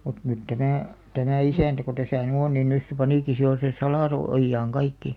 mutta nyt tämä tämä isäntä kun tässä nyt on niin nyt se panikin sitten jo sen - salaojaan kaikki